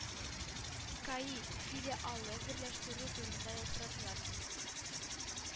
Каи филиалыберләштерү турында да сорадылар.